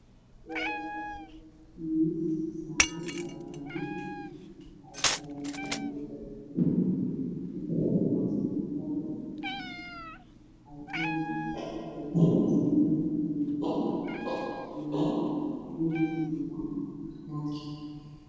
Waa miis waxaa saaran koob dhalo ah oo ku jiraan biyo cad re waxaa ka dhex suran caleen cagaar